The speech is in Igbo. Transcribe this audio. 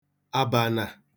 abànà